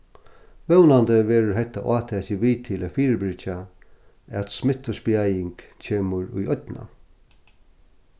vónandi verður hetta átakið við til at fyribyrgja at smittuspjaðing kemur í oynna